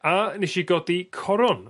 a nesh i godi coron